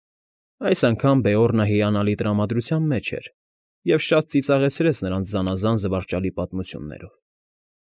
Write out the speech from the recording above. Այս անգամ Բեորնը հիանալի տրամադրության մեջ էր և շատ ծիծաղեցրեց նրանց զանազան զվարճալի պատմություններով։